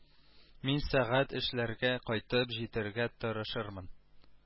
Мин сәгать өчләргә кайтып җитәргә тырышырмын